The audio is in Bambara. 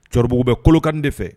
Cɛkɔrɔbabugu bɛ kolokanin de fɛ